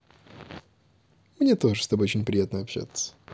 мне тоже с тобой очень приятно общаться